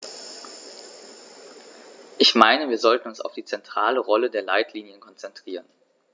Ich meine, wir sollten uns auf die zentrale Rolle der Leitlinien konzentrieren.